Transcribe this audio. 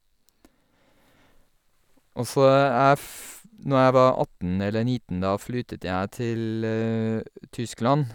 Og så jeg f når jeg var atten eller nitten da flyttet jeg til Tyskland.